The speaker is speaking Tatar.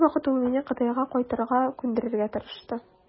Бер вакыт ул мине Кытайга кайтырга күндерергә тырышты.